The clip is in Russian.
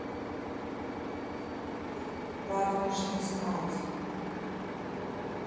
ладно можешь не искать